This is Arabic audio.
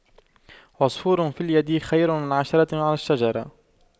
عصفور في اليد خير من عشرة على الشجرة